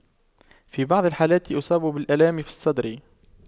في بعض الحالات اصاب بالآلام في الصدر